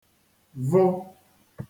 vụ